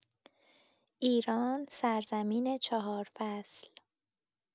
ایران، سرزمین چهار فصل